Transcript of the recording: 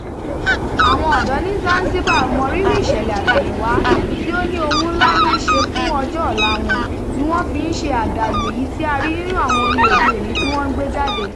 Àwọn ọ̀dọ́ ní Zanzibar mọ rírìi ìṣẹ̀lẹ̀ àtẹ̀yìnwá tí ó ní ohun ńlá ní í ṣe fún ọjọ́ ọ̀la wọn, ni wọ́n fi ń ṣe àdàlù èyí tí a rí nínú àwọn orin òde òní tí wọn ń gbé jáde.